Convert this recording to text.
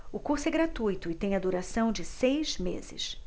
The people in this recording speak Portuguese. o curso é gratuito e tem a duração de seis meses